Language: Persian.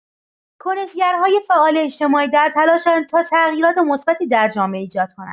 کنش‌گرهای فعال اجتماعی در تلاشند تا تغییرات مثبتی در جامعه ایجاد کنند.